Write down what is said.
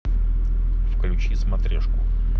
включи смотрешку